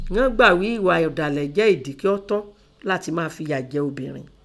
Iọ́n gbà ghí i ẹ̀ghà ọ̀dàlẹ̀ jẹ́ ìdí kí ọ́ tọ́ láti máa fìyà jẹ obìrin.